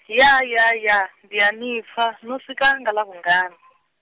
ya ya ya ndi a nipfa, no swika nga ḽa vhungana ?